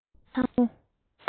རྡོ ལེབ ཚ བོ